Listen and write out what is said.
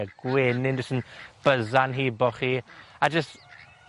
a gwenyn jys yn byzzan hibo chi, a jyst